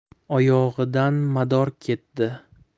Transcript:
oyog'idan mador ketdi